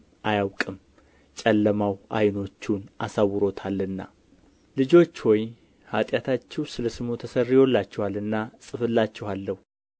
አያውቅም ጨለማው ዓይኖቹን አሳውሮታልና ልጆች ሆይ ኃጢአታችሁ ስለ ስሙ ተሰርዮላችኋልና እጽፍላችኋለሁ